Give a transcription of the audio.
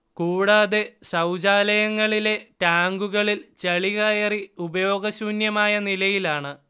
കൂടാതെ ശൗചാലയങ്ങളിലെ ടാങ്കുകളിൽ ചെളികയറി ഉപയോഗശൂന്യമായ നിലയിലാണ്